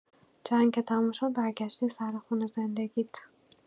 جنگ که تموم شد برگشتی سر خونه زندگیت.